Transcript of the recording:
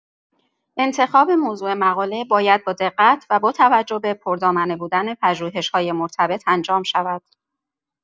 انتخاب موضوع مقاله باید با دقت و با توجه به پردامنه بودن پژوهش‌‌های مرتبط انجام شود.